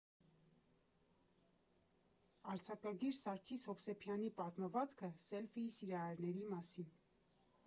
Արձակագիր Սարգիս Հովսեփյանի պատմվածքը՝ սելֆիի սիրահարների մասին։